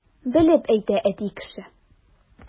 Белеп әйтә әти кеше!